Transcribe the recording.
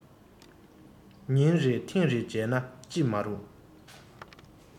ཉིན རེར ཐེངས རེ མཇལ ན ཅི མ རུང